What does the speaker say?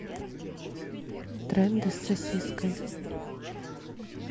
тренды с сосиской